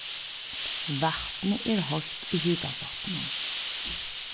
vatnið er heitt í hitapottinum